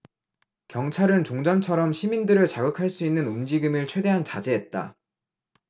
경찰은 종전처럼 시민들을 자극할 수 있는 움직임을 최대한 자제했다